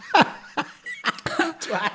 Twat!